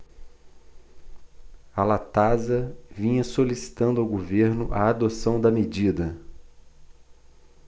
a latasa vinha solicitando ao governo a adoção da medida